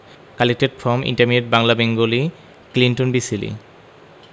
collected from intermediate Bangla Bengali Clinton B Seely